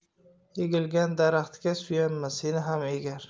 egilgan daraxtga suyanma seni ham egar